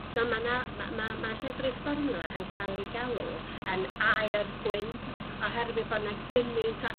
So ma' 'na ma' ma' ma' llefrith fformiwla yn ca'l eu galw yn aur gwyn oherwydd bo' 'na gymynt o